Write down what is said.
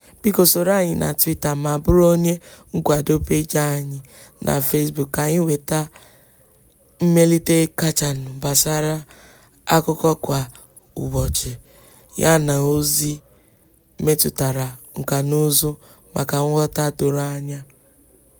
Biko soro anyị na Twitter ma bụrụ onye nkwado peeji anyị na Facebook ka i nweta mmelite kachanụ gbasara akụkọ kwa ụbọchị yana ozi metụtara nkànaụzụ maka nghọta doro anya.